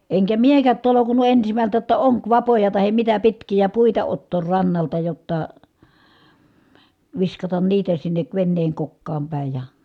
enkä minäkään tolkunnut ensimmältä jotta onkivapoja tai mitä pitkiä puita ottaa rannalta jotta viskataan niitä sinne veneen kokkaan päin ja